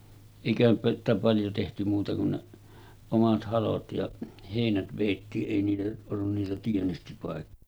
eikähän sitä paljon tehty muuta kuin ne omat halot ja heinät vedettiin ei niitä ollut niitä -